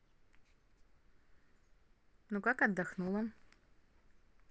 ну как отдохнула